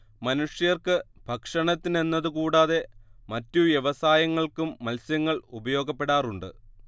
മനുഷ്യർക്ക് ഭക്ഷണത്തിനെന്നതുകൂടാതെ മറ്റു വ്യവസായങ്ങൾക്കും മത്സ്യങ്ങൾ ഉപയോഗപ്പെടാറുണ്ട്